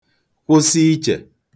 kwusi ichè